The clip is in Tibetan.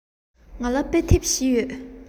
ང ལ དཔེ དེབ བཞི ཡོད